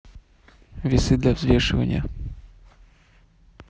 весы для взвешивания